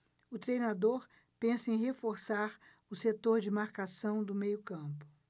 o treinador pensa em reforçar o setor de marcação do meio campo